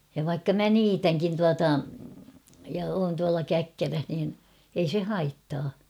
ja vaikka minä niitänkin tuota ja olen tuolla käkkärässä niin ei se haittaa